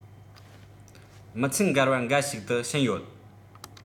མི ཚད འགལ བ འགའ ཞིག ཏུ ཕྱིན ཡོད